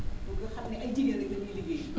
pour ñu xam ne ay jigéen rek ñu ngi liggéey